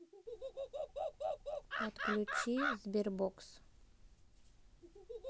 подключи sberbox